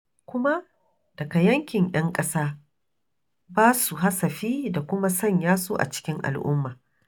Kuma, daga yankin 'yan ƙasa, ba su hasafi da kuma sanya su a cikin al'umma.